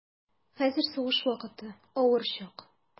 Хәзер сугыш вакыты, авыр чак.